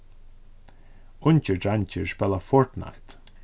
ungir dreingir spæla fortnite